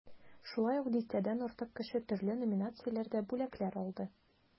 Шулай ук дистәдән артык кеше төрле номинацияләрдә бүләкләр алды.